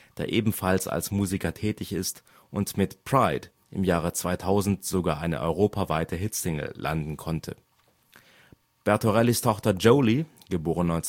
der ebenfalls als Musiker tätig ist und mit Pride im Jahre 2000 sogar eine europaweite Hitsingle landen konnte. Bertorellis Tochter Joely (* 1973